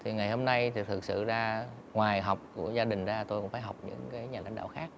ngày hôm nay thì thực sự ra ngoài học của gia đình ra tôi cũng phải học những nhà lãnh đạo khác